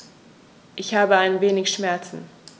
Ich habe ein wenig Schmerzen.